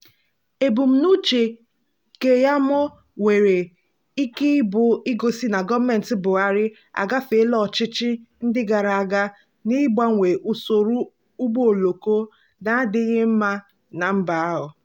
Ebumnuche Keyamo nwere ike ịbụ igosi na gọọmentị Buhari agafeela ọchịchị ndị gara aga n'ịgbanwe usoro ụgbọ oloko na-adịghị mma na mba ahụ.